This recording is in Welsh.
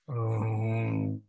Oww!